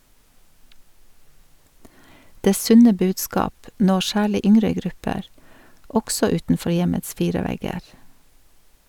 Det sunne budskap når særlig yngre grupper, også utenfor hjemmets fire vegger.